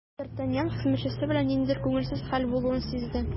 Д’Артаньян хезмәтчесе белән ниндидер күңелсез хәл булуын сизде.